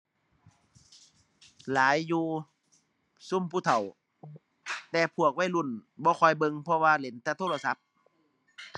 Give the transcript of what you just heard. หลายอยู่ ซุมผู้เฒ่า แต่พวกวัยรุ่นบ่ค่อยเบิ่ง เพราะว่าเล่นแต่โทรศัพท์